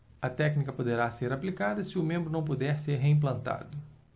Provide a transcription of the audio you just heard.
a técnica poderá ser aplicada se o membro não puder ser reimplantado